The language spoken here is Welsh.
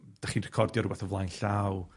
'dych chi recordio rwbeth o flaen llaw